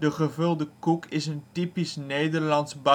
gevulde koek is een typisch Nederlands